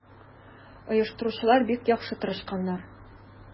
Оештыручылар бик яхшы тырышканнар.